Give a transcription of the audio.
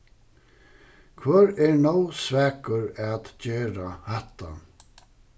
hvør er nóg svakur at gera hatta